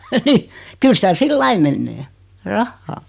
kyllä sitä sillä lailla menee rahaa